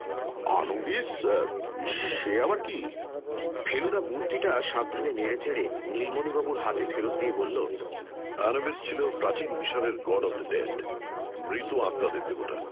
Anubis সে আবার কী ফেলুদা মূর্তিটা সাবধানে নেড়েচেড়ে নীলমণিবাবুর হাতে ফেরত দিয়ে বলল আনুবিস ছিল প্রাচীন মিশরের গড অফ দ্য ডেড মৃত আত্মাদের দেবতা